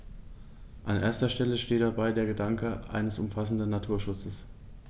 An erster Stelle steht dabei der Gedanke eines umfassenden Naturschutzes.